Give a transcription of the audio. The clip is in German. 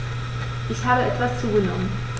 Ich habe etwas zugenommen